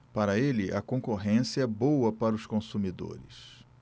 para ele a concorrência é boa para os consumidores